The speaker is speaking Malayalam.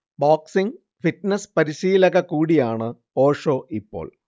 ബോക്സിങ്, ഫിറ്റ്നസ് പരിശീലക കൂടിയാണ് ഓഷോ ഇപ്പോൾ